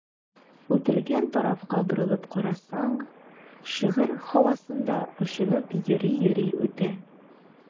Үтелгән тарафка борылып карасаң, шигырь һавасында очынып йөри-йөри үтә.